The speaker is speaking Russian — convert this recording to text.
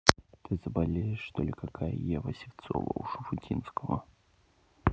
ты заболеешь что ли какая ева сивцова у шуфутинского